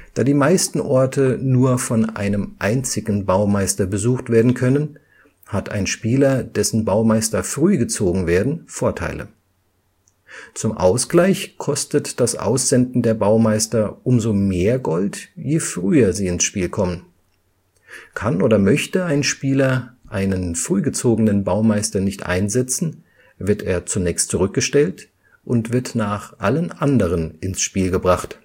Da die meisten Orte nur von einem einzigen Baumeister besucht werden können, hat ein Spieler, dessen Baumeister früh gezogen werden, Vorteile. Zum Ausgleich kostet das Aussenden der Baumeister umso mehr Gold, je früher sie ins Spiel kommen. Kann oder möchte ein Spieler einen früh gezogenen Baumeister nicht einsetzen, wird er zunächst zurückgestellt und wird nach allen anderen ins Spiel gebracht